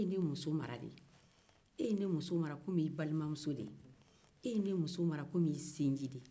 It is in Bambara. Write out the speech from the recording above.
e ye ne muso mara komi i balima n'i sinji